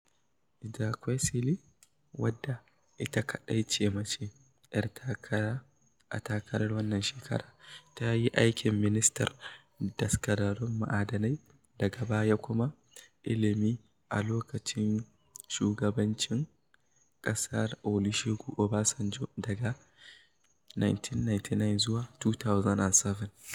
Ezekwesili, wadda ita kaɗai ce mace 'yar takara a takarar wannan shekarar, ta yi aikin ministar daskararrun ma'adanai daga baya kuma ilimi a lokacin shugabancin ƙasar Olusegun Obasanjo daga 1999 zuwa 2007.